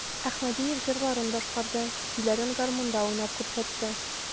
Әхмәдиев җырларын башкарды, көйләрен гармунда уйнап күрсәтте.